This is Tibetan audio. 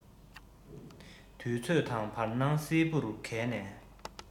དུས ཚོད དང བར སྣང སིལ བུར གས ནས